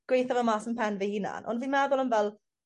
gweitho fe mas yn pen fy hunan on' fi'n meddwl am fel